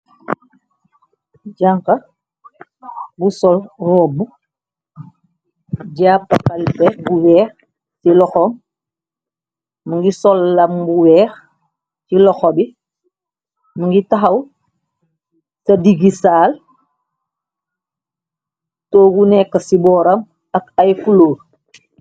Jànka bu sol roobbu jappakalpe bu weex ci loxom mungi sol lam bu weex ci loxo bi mungi taxaw cha diggisaal toogu nekk ci booram ak ay xuluur.